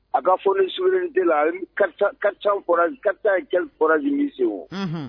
A ka fonds de souverinité a ye 4000 forages, 400 et quel forage min seni